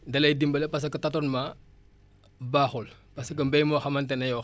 da lay dimbale parce que tatonement baaxul parce que mbéy moo xamante ne yow